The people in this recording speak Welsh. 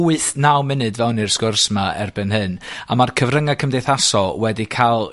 wyth, naw munud fewn i'r sgwrs 'ma erbyn hyn, a ma'r cyfrynga' cymdeithasol wedi ca'l